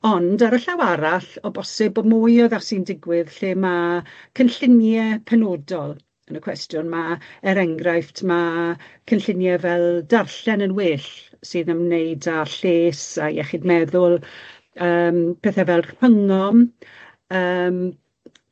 ond ar y llaw arall o bosib bod mwy o addasu'n digwydd lle ma' cynllunie penodol yn y cwestiwn, ma' er enghraifft ma' cynllunie fel darllen yn well sydd ymwneud â lles a iechyd meddwl yym pethe fel Rhyngom yym